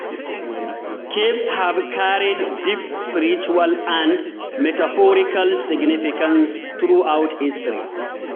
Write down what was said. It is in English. Caves have carried deep spiritual and metaphorical significance throughout history.